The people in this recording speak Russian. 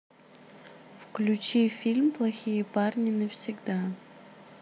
включи фильм плохие парни навсегда